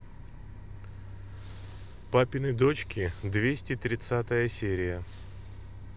папины дочки двести тридцатая серия